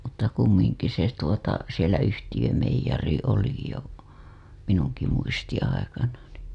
mutta kumminkin se tuota siellä yhtiömeijeri oli jo minunkin muistini aikana niin